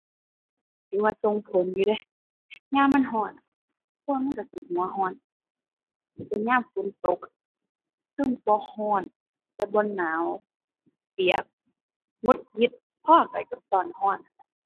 ว่าส่งผลอยู่เดะ ยามมันร้อนอะ คนมันร้อนสิหัวร้อน แต่ยามฝนตกอะ เทิงบ่ร้อนแต่บ่หนาว เปียก หงุดหงิดพอกันกับตอนร้อน